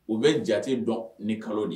U bɛ jate dɔn ni kalo de ye